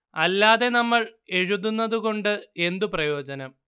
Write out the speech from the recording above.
അല്ലാതെ നമ്മൾ എഴുതുന്നത് കൊണ്ട് എന്തു പ്രയോജനം